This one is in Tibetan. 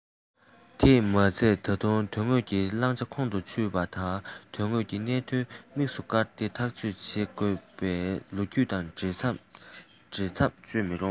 དེས མ ཚད ད དུང དོན དངོས ཀྱི བླང བྱ ཁོང དུ ཆུད པ ད དོན དངོས ཀྱི གནད དོན དམིགས སུ བཀར ནས ཐག གཅོད བྱེད དགོས པ ལས ལོ རྒྱུས དང འ བྲེལ མཚམས གཅོད མི རུང